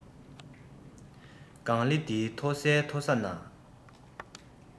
ལྒང ལི འདིའི མཐོ སའི མཐོ ས ན